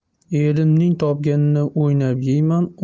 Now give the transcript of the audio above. erimning topganini o'ynab yeyman